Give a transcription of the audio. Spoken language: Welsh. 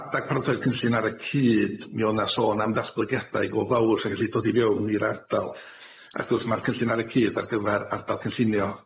Adag paratoi'r cynllun ar y cyd mi o'dd 'na sôn am ddatblygiadau go fawr sy'n gallu dod i fewn i'r ardal ac wrth gwrs ma'r cynllun ar y cyd ar gyfar ardal cynllunio